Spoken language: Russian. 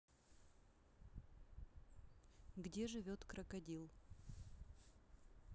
где живет крокодил